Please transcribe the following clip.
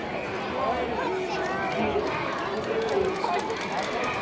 сбер а что такое хуй